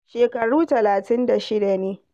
Shekaru 36 ne.